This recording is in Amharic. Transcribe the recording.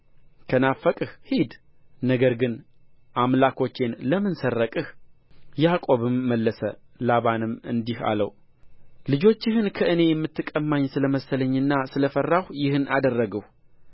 ከናፈቅህ ሂድ ነገር ግን አምላኮቼን ለምን ሰረቅህ ያዕቆብም መለሰ ላባንም እንዲህ አለው ልጆችህን ከእኔ የምትቀማኝ ስለመሰለኝና ስለፈራሁ ይህን አደረግሁ